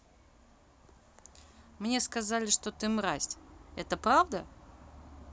мне сказали что ты мразь это правда